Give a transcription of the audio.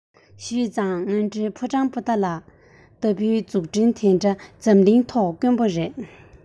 ཞུས ཙང དངོས འབྲེལ ཕོ བྲང པོ ཏ ལ ལྟ བུའི འཛུགས སྐྲུན དེ འདྲ འཛམ གླིང ཐོག དཀོན པོ རེད